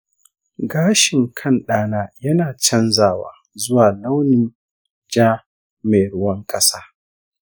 gashin kan ɗana yana canzawa zuwa launin ja mai ruwan kasa.